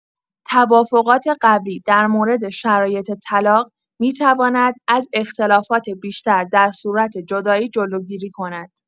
توافقات قبلی در مورد شرایط طلاق، می‌تواند از اختلافات بیشتر در صورت جدایی جلوگیری کند.